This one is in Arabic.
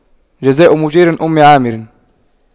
جزاء مُجيرِ أُمِّ عامِرٍ